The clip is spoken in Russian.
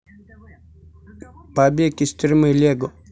побег из тюрьмы лего